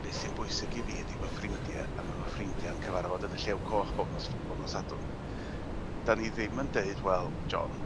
beth sy'n bwysig i fi ydi fy ffrindie a ma' fy ffrindia'n cyfarfod yn y Llew Coch bob nos bob nos Sadwrn 'dan ni ddim yn deud wel John